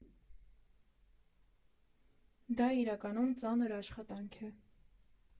«Դա իրականում ծանր աշխատանք է։